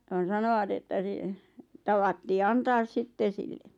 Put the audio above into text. ja ne sanoivat että - tavattiin antaa sitten sille